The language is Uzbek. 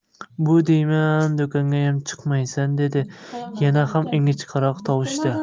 bu deyman do'kongayam chiqmaysan dedi yana ham ingichkaroq tovushda